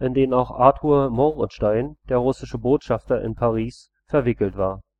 in den auch Arthur von Mohrenheim, der russische Botschafter in Paris, verwickelt war